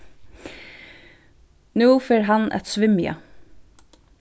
nú fer hann at svimja